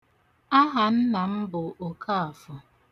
Ahanna m bụ Okaạfo.